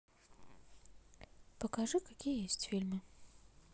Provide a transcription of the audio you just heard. покажи какие есть фильмы